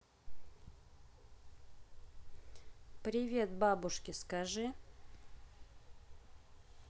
привет бабушке скажи